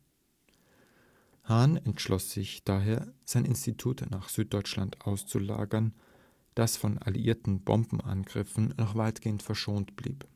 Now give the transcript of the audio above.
Hahn entschloss sich daher, sein Institut nach Süddeutschland auszulagern, das von alliierten Bombenangriffen noch weitgehend verschont blieb